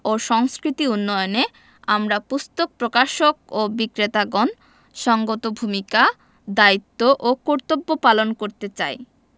ও সংস্কৃতি উন্নয়নে আমরা পুস্তক প্রকাশক ও বিক্রেতাগণ সঙ্গত ভূমিকা দায়িত্ব ও কর্তব্য পালন করতে চাই